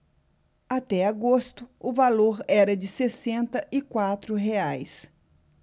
até agosto o valor era de sessenta e quatro reais